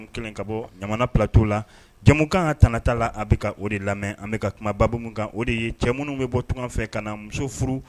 Ka bɔ Ɲamana plateau la, jamukan ka tana t'a la , a bɛ o de lamɛn, an bɛka kuma baabu min kan o de ye cɛ minnu bɛ bɔ tunka fɛ ka na muso furu.